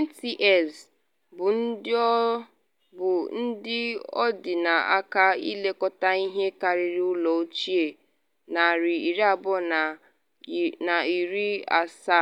NTS, bụ ndị ọ dị n’aka ilekọta ihe karịrị ụlọ ochie 270,